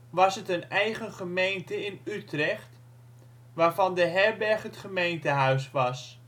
was het een eigen gemeente in Utrecht, waarvan de herberg het gemeentehuis was